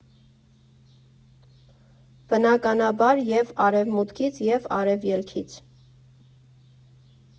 Բնականաբար, և Արևմուտքից, և Արևլքից։